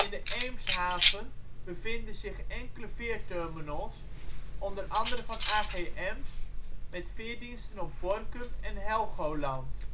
de Eemshaven bevinden zich enkele veerterminals, onder andere van AG Ems met veerdiensten op Borkum en Helgoland